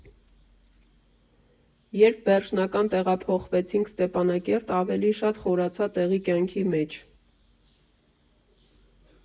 Երբ վերջնական տեղափոխվեցինք Ստեփանակերտ, ավելի շատ խորացա տեղի կյանքի մեջ։